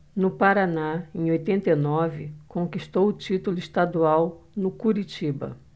no paraná em oitenta e nove conquistou o título estadual no curitiba